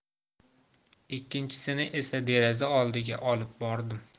ikkinchisini esa deraza oldiga olib bordim